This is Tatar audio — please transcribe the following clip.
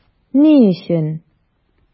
Ни өчен?